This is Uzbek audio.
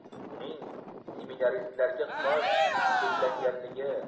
uning seminaristlarga xos cheklanganligi